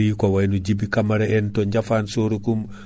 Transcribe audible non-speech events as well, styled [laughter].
[hesitation] ko wayno Djiby Camara en to Diafane Soro Coumba [breath]